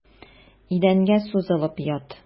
Идәнгә сузылып ят.